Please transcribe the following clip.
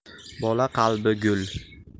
bola qalbi gul